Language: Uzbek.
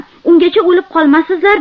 ungacha o'lib qolmassizlar